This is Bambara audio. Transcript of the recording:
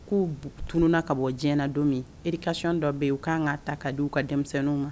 K'u b tununa ka bɔ diɲɛna don min éducation dɔ bɛ yen, u ka kan ka ta ka di u ka denmisɛnninw ma.